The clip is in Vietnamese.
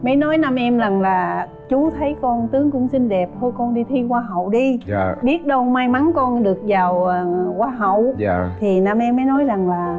mới nói nam em rằng là chú thấy con tướng cũng xinh đẹp thôi con đi thi hoa hậu đi biết đâu may mắn con được vào hoa hậu thì nam em nói rằng là